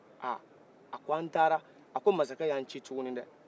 aa a ko an taara a ko masakɛ yan ci tuguni dɛɛ